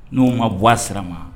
N' ma buwa sira ma